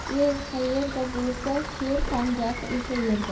er qayerda bo'lsa sher panjasi o'sha yerda